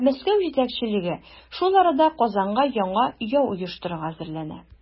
Ә Мәскәү җитәкчелеге шул арада Казанга яңа яу оештырырга әзерләнә.